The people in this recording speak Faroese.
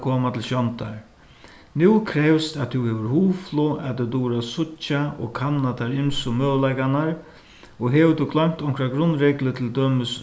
koma til sjóndar nú krevst at tú hevur hugflog at tú dugir at síggja og kanna teir ymsu møguleikarnar og hevur tú gloymt onkra grundreglu til dømis